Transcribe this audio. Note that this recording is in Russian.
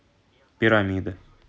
пирамида